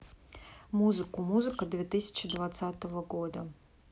музыку музыка две тысячи двадцатого года